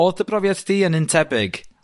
Odd dy brofiad di yn un tebyg?